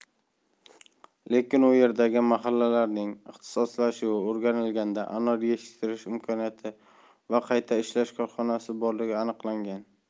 lekin u yerdagi mahallalarning ixtisoslashuvi o'rganilganda anor yetishtirish imkoniyati va qayta ishlash korxonasi borligi aniqlangan